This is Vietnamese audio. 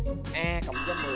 bê